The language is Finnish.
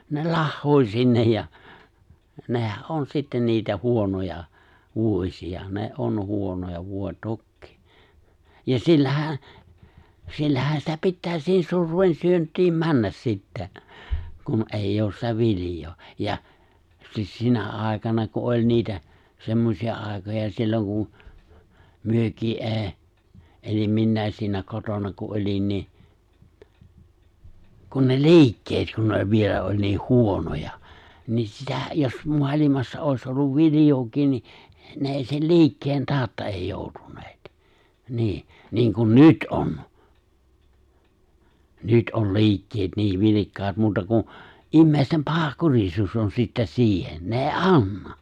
ne lahoaa sinne ja nehän on sitten niitä huonoja vuosia ne on huonoja voi tokiinsa ja sillähän sillähän sitä pitää siihen surveen syöntiin mennä sitten kun ei ole sitä viljaa ja - sinä aikana kun oli niitä semmoisia aikoja silloin kuin mekin - elin minäkin siinä kotona kun olin niin kun ne liikkeet kun ne oli vielä oli niin huonoja niin sitä jos maailmassa olisi ollut viljaakin niin ne ei sen liikkeen tautta ei joutuneet niin niin kuin nyt on nyt on liikkeet niin vilkkaat muuta kuin ihmisten pahankurisuus on sitten siihen ne ei anna